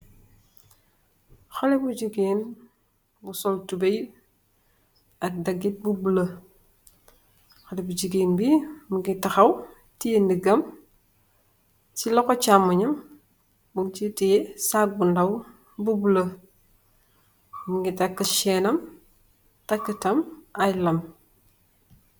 Haleh bu jegain bu sol tubaye ak dagete bu bluelo haleh bu jegain be muge tahaw teyeh negam se lohou chamunyem mung se teye sacc bu daw bu bluelo muge take chinam take tamin aye lam.